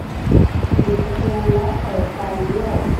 ปิดประตูและเปิดไฟด้วย